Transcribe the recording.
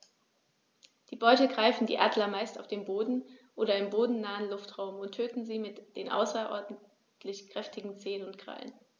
Die Beute greifen die Adler meist auf dem Boden oder im bodennahen Luftraum und töten sie mit den außerordentlich kräftigen Zehen und Krallen.